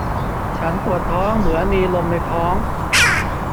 ฉันปวดท้องเหมือนมีลมในท้อง